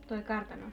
tuo kartanon